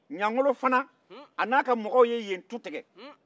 ɲangolo fana a n'a ka mɔgɔw ye yen tu tigɛ